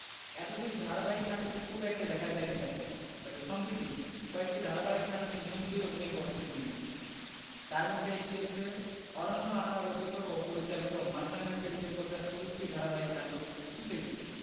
এতদিন ধারাবাহিক নাটকে খুব একটা দেখা যায়নি তাকে তবে সম্প্রিতি কয়েকটি ধারাবাহিক নাটকে নিয়মিতই অভিনয় করছেন তিনি তার মধ্যে একটি হচ্ছে অরন্য আনোয়ার রচিত ও পরিচালিত মাছরাঙা টিভিতে প্রচার চলতি ধারাবাহিক নাটক ফুল এইচডি